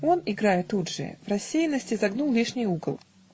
Он, играя тут же, в рассеянности загнул лишний угол.